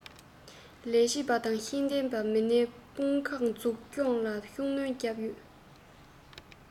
རྒྱལ ཁབ ཀྱི གཅིག གྱུར དང བོད ཀྱི སྤྱི ཚོགས བརྟན ལྷིང སྲུང སྐྱོང བྱས པ